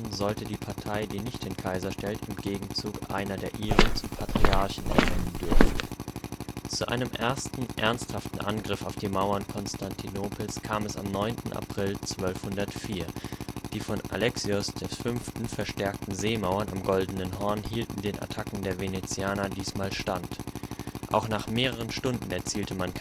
sollte die Partei, die nicht den Kaiser stellt, im Gegenzug einen der ihren zum Patriarchen ernennen dürfen. Zu einem ersten ernsthaften Angriff auf die Mauern Konstantinopels kam es am 9. April 1204. Die von Alexios V. verstärkten Seemauern am Goldenen Horn hielten den Attacken der Venezianer diesmal stand. Auch nach mehreren Stunden erzielte man